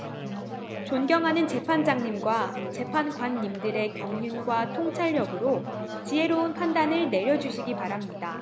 존경하는 재판장님과 재판관님들의 경륜과 통찰력으로 지혜로운 판단을 내려주시기 바랍니다